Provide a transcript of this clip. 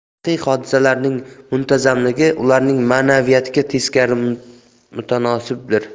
tarixiy hodisalarning muntazamligi ularning ma'naviyatiga teskari mutanosibdir